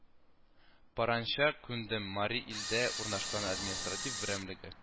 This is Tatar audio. Поранча кундем Мари Илдә урнашкан административ берәмлеге